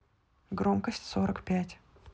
громкость сорок пять